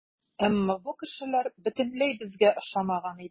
Әмма бу кешеләр бөтенләй безгә охшамаган иде.